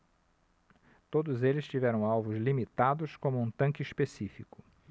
todos eles tiveram alvos limitados como um tanque específico